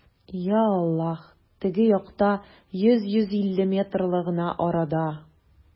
Йа Аллаһ, теге якта, йөз, йөз илле метрлы гына арада!